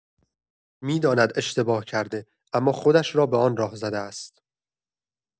می‌داند اشتباه کرده، اما خودش را به آن راه زده است.